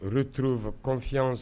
Retrouve confiance